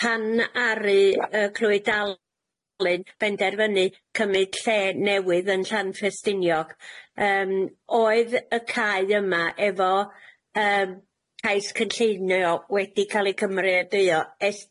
Pan aru yy Clwyd Alun benderfynu cymyd lle newydd yn Llanfferstiniog yym oedd y cae yma efo yym cais cynllunio wedi ca'l ei cymrydadwy o es